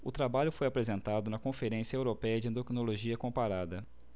o trabalho foi apresentado na conferência européia de endocrinologia comparada